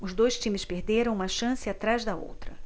os dois times perderam uma chance atrás da outra